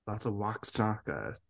That's a wax jacket.